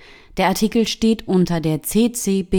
produziert